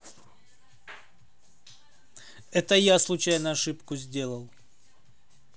это я случайно ошибку сделал